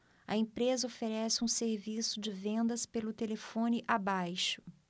a empresa oferece um serviço de vendas pelo telefone abaixo